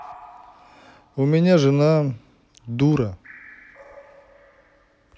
у меня жена дура